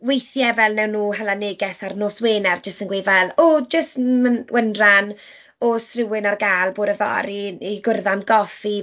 Weithe fel wnawn nhw hala neges ar nos Wener jyst yn gweud fel "o jyst yn myn- wyndran oes rywun ar gael bore fory i gwrdd am goffi?"